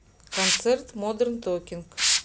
концерт модерн токинг